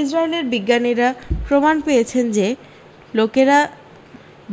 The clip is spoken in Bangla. ইজরাইলের বিজ্ঞানীরা প্রমাণ পেয়েছেন যে লোকেরা